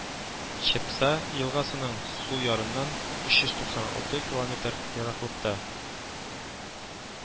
Чепца елгасының сул ярыннан өч йөз туксан алты километр ераклыкта